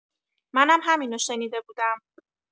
منم همینو شنیده بودم